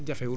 waaw